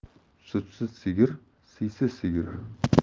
sutsiz sigir siysiz sigir